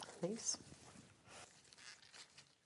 Neis.